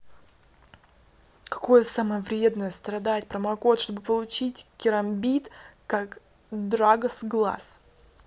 какое самое вредное страдать промокод чтобы получить керамбит как dragon глаз